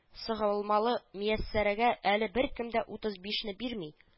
Сыгылмалы мияссәрәгә әле беркем дә утыз бишне бирми